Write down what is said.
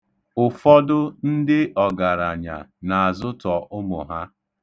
Ụfọdụ ndị ọgaranya na-azụtọ ụmụ ha.